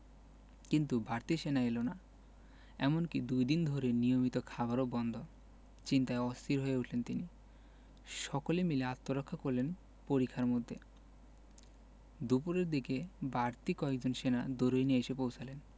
কিন্তু বাড়তি সেনা এলো না এমনকি দুই দিন ধরে নিয়মিত খাবারও বন্ধ চিন্তায় অস্থির হয়ে উঠলেন তিনি সকলে মিলে আত্মরক্ষা করলেন পরিখার মধ্যে দুপুরের দিকে বাড়তি কয়েকজন সেনা দরুইনে এসে পৌঁছালেন